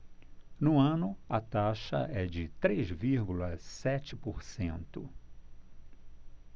no ano a taxa é de três vírgula sete por cento